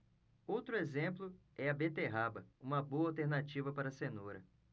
outro exemplo é a beterraba uma boa alternativa para a cenoura